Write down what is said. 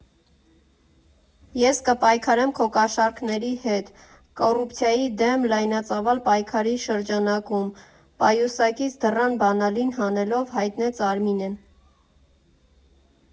Ես կպայքարեմ քո կաշառքների հետ՝ կոռուպցիայի դեմ լայնածավալ պայքարի շրջանակում, ֊ պայուսակից դռան բանալին հանելով հայտնեց Արմինեն։